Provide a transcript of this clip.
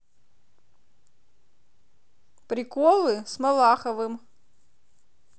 приколы с малаховым